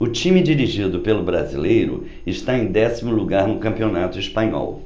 o time dirigido pelo brasileiro está em décimo lugar no campeonato espanhol